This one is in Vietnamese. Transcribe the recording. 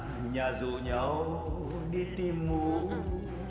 nhà rủ nhau đi tìm mũ